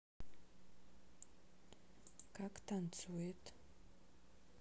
как танцует